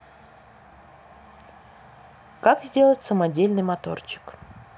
как сделать самодельный моторчик